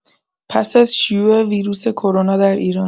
پس از شیوع ویروس کرونا در ایران